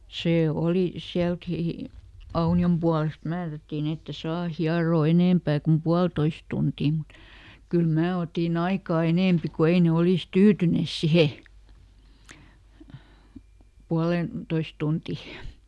se oli sielläkin Aunion puolesta määrättiin että ei saa hieroa enempää kuin puolitoista tuntia mutta kyllä minä otin aikaa enempi kun ei ne olisi tyytyneet siihen puoleentoista tuntiin